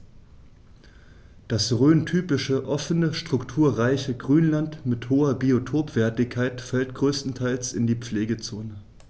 Das rhöntypische offene, strukturreiche Grünland mit hoher Biotopwertigkeit fällt größtenteils in die Pflegezone.